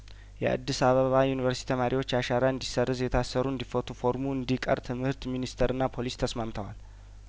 የአዲስ አበባ ዩኒቨርስቲ ተማሪዎች አሻራ እንዲሰረዝ የታሰሩ እንዲፈቱ ፎርሙ እንዲቀር ትምህርት ሚኒስተርና ፖሊስ ተስማምተዋል